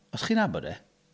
Os chi'n nabod e...